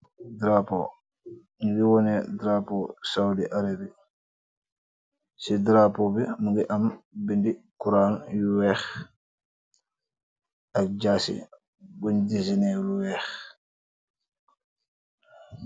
drapo ñu gi wone drapo saudi arabi ci drapo bi munga am bindi kuraan yu weex ak jaase buñu dizenee lu weex